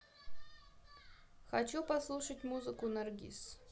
хочу послушать музыку наргиз